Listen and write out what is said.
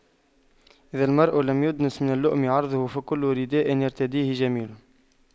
إذا المرء لم يدنس من اللؤم عرضه فكل رداء يرتديه جميل